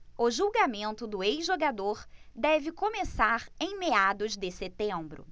o julgamento do ex-jogador deve começar em meados de setembro